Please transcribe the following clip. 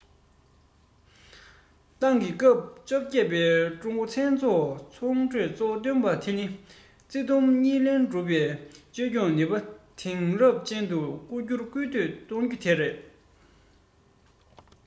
ཏང གི སྐབས བཅོ བརྒྱད པའི ཀྲུང ཨུ ཚང འཛོམས གྲོས ཚོགས གཙོ བོ བཏོན པ དེ ནི ཚིག དུམ གཉིས ལས གྲུབ པའི བཅོས སྐྱོང ནུས པ དེང རབས ཅན དུ འགྱུར རྒྱུར སྐུལ འདེད གཏོང རྒྱུ དེ རེད